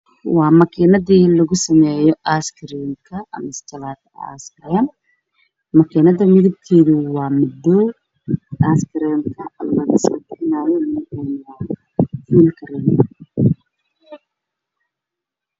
Waa makiinada lugu sameeyo aaskareemka , makiinada kalarkeedu waa madow, askareemkuna waa kareem.